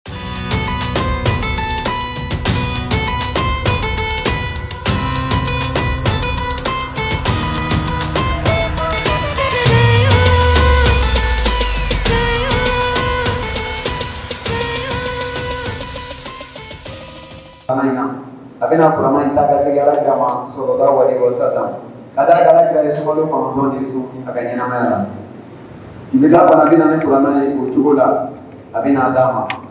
A bɛna kumama in ta ka segin kama sɔrɔ wari ko sa tan a da ka ye so kɔnɔnɔnɔ ni sun a ka jinɛmaya la tile fana bɛna ne kalan ye o cogo la a bɛna na d' a ma